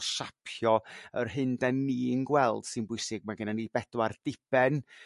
o siapio yr hyn dan ni'n gweld sy'n bwysig mae gennyn ni bedwar diben